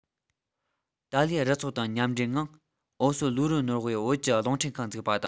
ཏཱ ལའི རུ ཚོགས དང མཉམ འབྲེལ ངང ཨོ སི ལུའུ རུ ནོར ཝེ བོད ཀྱི རླུང འཕྲིན ཁང བཙུགས པ དང